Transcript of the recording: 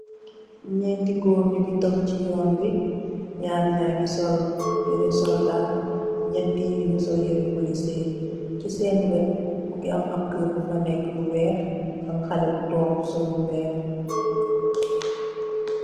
Ñénti gór ñugi tóóg ci yoon wi ñaar ña ngi sol yirèh soldar, ñetti yi ñu ngi sol yirèh police. Ci sèèn wet mugii am ap kèr gu fa nekka gu wèèx am xalèh bu fa nekka sol lu wèèx.